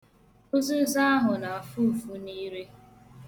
Ụzịza ahụ na-afụ ụfụ n'ire.